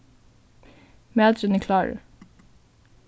maturin er klárur